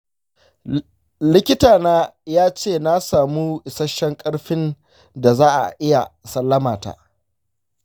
likitana yace na samu isasshen ƙarfin da za'a iya sallamata.